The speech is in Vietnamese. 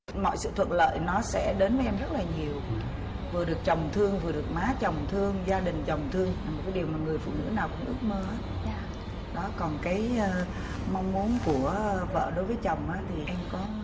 mọi sự thuận lợi nó sẽ đến với em rất là nhiều vừa được chồng thương vừa được má chồng thương gia đình chồng thương một cái điều mà người phụ nữ nào cũng ước mơ hết đó còn cái mong muốn của vợ đối với chồng đó thì em có